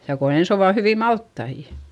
ja kun ensin ovat hyviä maltaita